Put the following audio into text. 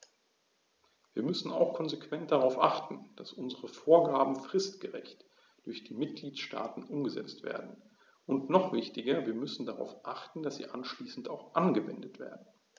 Wir müssen auch konsequent darauf achten, dass unsere Vorgaben fristgerecht durch die Mitgliedstaaten umgesetzt werden, und noch wichtiger, wir müssen darauf achten, dass sie anschließend auch angewendet werden.